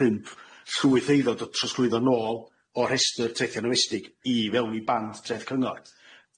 pump llwyth eiddo do- trosglwyddo nôl o rhestr traethia' nomestig i fewn i band traeth cyngor.